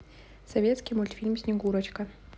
советский мультфильм снегурочка